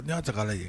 Ni y'a ta k'a la jɛ